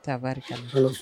Tari fɔlɔ